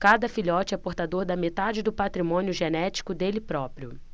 cada filhote é portador da metade do patrimônio genético dele próprio